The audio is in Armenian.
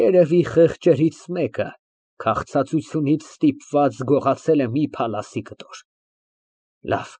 Երևի, խեղճերից մեկը քաղցածությունից ստիպված, գողացել է մի փալասի կտոր։